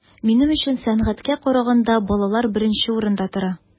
Минем өчен сәнгатькә караганда балалар беренче урында тора.